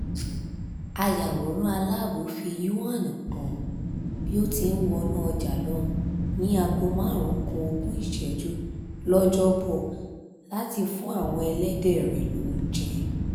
Ayawòrán aláàbò fi Yuan hàn bí ó ti ńwọnú ọjà lọ ní aago máàrún-ku-ogún ìsẹ́jú lọjọ 'Bọ̀ láti fún àwọn ẹlẹ́dẹ̀ rẹ̀ lóúnjẹ.